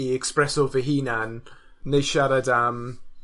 i ecsbreso fy hunan, neu siarad am